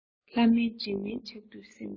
ལྷ མིན འདྲེ མིན ཆགས དུས སེམས རེ སྐྱོ